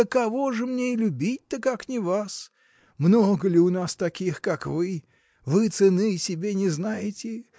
да кого же мне и любить-то, как не вас? Много ли у нас таких, как вы? Вы цены себе не знаете.